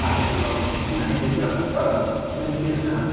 A dan ni 'di gweld... wnaeth hwnna newid do?... Do. ...Tibod yr ymgyrch yna.